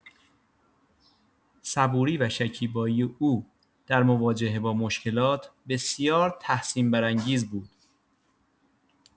صبوری و شکیبایی او در مواجهه با مشکلات، بسیار تحسین‌برانگیز بود.